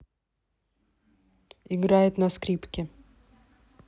играет на скрипке